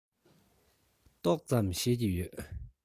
ཏོག ཙམ ཤེས ཀྱི ཡོད